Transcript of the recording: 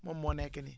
moom moo nekk nii